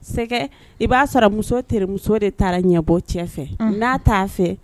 Sɛgɛ, i b'a sɔrɔ muso terimuso de taara ɲɛbɔ cɛ fɛ, unhun, n'a t'a fɛ